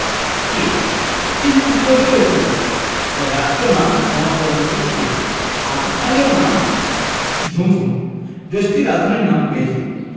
চীনঃ চীন পূর্ব এশিয়ার একটি দেশ এর রাষ্ট্রীয় নাম গণপ্রজাতন্ত্রী চীন আর স্থানীয় নাম ঝুংঘু দেশটির রাজধানীর নাম বেইজিং